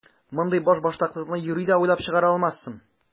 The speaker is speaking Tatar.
Мондый башбаштаклыкны юри дә уйлап чыгара алмассың!